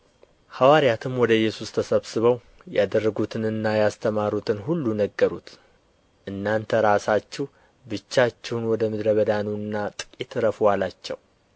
ሐዋርያትም ወደ ኢየሱስ ተሰብስበው ያደረጉትንና ያስተማሩትን ሁሉ ነገሩት እናንት ራሳችሁ ብቻችሁን ወደ ምድረ በዳ ኑና ጥቂት ዕረፉ አላቸው